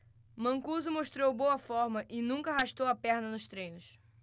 mancuso mostrou boa forma e nunca arrastou a perna nos treinos